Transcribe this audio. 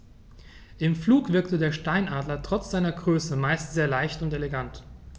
Im Flug wirkt der Steinadler trotz seiner Größe meist sehr leicht und elegant.